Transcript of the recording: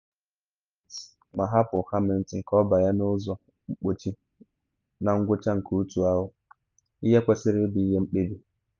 Vettel buru ụzọ banye na pit ma hapụ Hamilton ka ọ banye n’ụzọ mkpọchi na ngwụcha nke otu ahụ, ihe kwesịrị ịbụ ihe mkpebi.